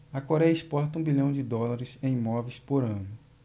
a coréia exporta um bilhão de dólares em móveis por ano